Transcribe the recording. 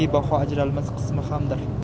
bebaho ajralmas qismi hamdir